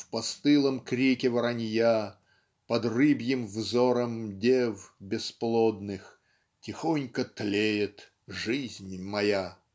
В постылом крике воронья Под рыбьим взором дев бесплодных Тихонько тлеет жизнь моя.